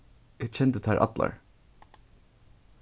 eg kendi teir allar